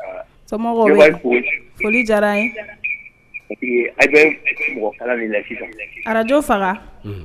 Foli diyara ye a bɛ araj faga